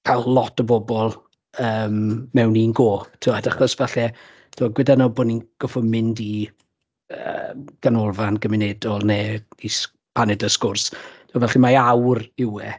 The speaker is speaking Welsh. cael lot o bobl yym mewn un go tibod achos falle timod gweda nawr bod ni gorfod mynd i yy ganolfan gymunedol neu i s- paned a sgwrs falle mae awr yw e